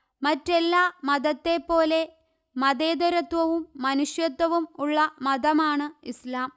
മറ്റെല്ലാ മതത്തെപോലെ മതേതരത്വവും മനുഷ്യത്വവും ഉള്ള മതമാണ് ഇസ്ലാം